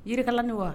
Yirikalani wa?